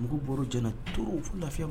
Mugu bɔra j to lafiyaw